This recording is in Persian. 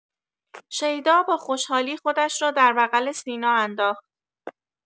شیدا با خوشحالی خودش را در بغل سینا انداخت.